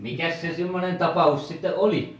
mikäs se semmoinen tapaus sitten oli